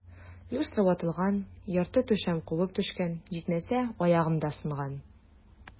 Люстра ватылган, ярты түшәм кубып төшкән, җитмәсә, аягым да сынган.